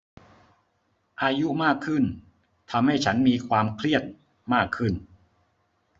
อายุมากขึ้นทำให้ฉันมีความเครียดมากขึ้น